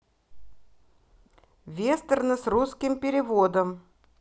вестерны с русским переводом